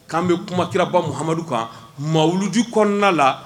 K'an bɛ kuma kiraba muhamadu kan ma wuluju kɔnɔna la